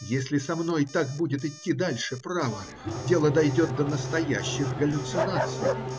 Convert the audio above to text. Если со мной так будет идти дальше, право, дело дойдет до настоящих галлюцинаций.